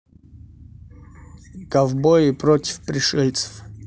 ковбои против пришельцев